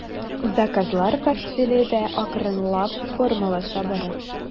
Заказлар портфеле дә акрынлап формалаша бара.